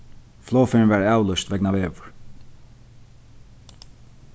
flogferðin varð avlýst vegna veður